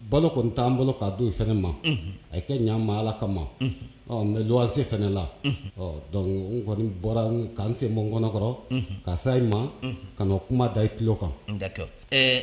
Balo kɔni'an bolo k' ma a kɛ ɲmaa ala kama n mɛ luwanse la n kɔni bɔra ka senbonɔn kɔrɔ ka sa i ma ka kuma da i ki kan